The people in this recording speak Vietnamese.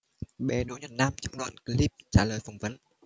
bé đỗ nhật nam trong đoạn clip trả lời phỏng vấn